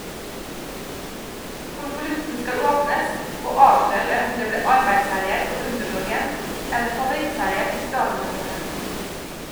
Konvolutten skal åpnes, og avsløre om det ble arbeidsseier på underdogen, eller favorittseier til stadionrockerne.